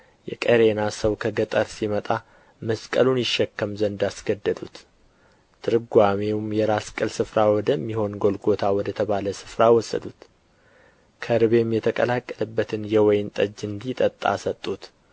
የቀሬና ሰው ከገጠር ሲመጣ መስቀሉን ይሸከም ዘንድ አስገደዱት ትርጓሜውም የራስ ቅል ስፍራ ወደሚሆን ጎልጎታ ወደተባለ ስፍራ ወሰዱት ከርቤም የተቀላቀለበትን የወይን ጠጅ እንዲጠጣ ሰጡት